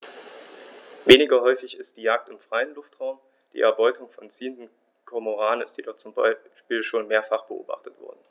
Weniger häufig ist die Jagd im freien Luftraum; die Erbeutung von ziehenden Kormoranen ist jedoch zum Beispiel schon mehrfach beobachtet worden.